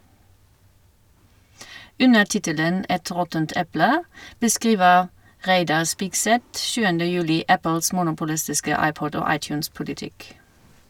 Under tittelen «Et råttent eple» beskriver Reidar Spigseth 7. juli Apples monopolistiske iPod- og iTunes-politikk.